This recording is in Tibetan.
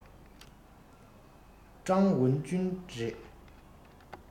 ཀྲང ཝུན ཅུན རེད